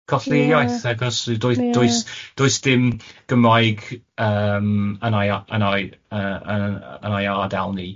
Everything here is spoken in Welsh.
colli ei iaith... Ie ie. ...achos yy does does does dim Gymraeg yym yn ai o- yn ai yy yn ai o- yn ain ardal ni.